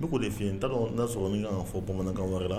N bɛ de fi yen n n'a sɔrɔ ɲɔgɔn fɔ bamanankan wɛrɛ